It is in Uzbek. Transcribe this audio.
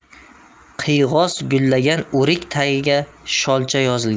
qiyg'os gullagan o'rik tagiga sholcha yozilgan